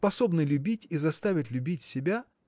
способный любить и заставить любить себя.